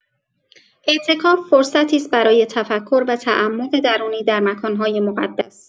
اعتکاف فرصتی است برای تفکر و تعمق درونی در مکان‌های مقدس.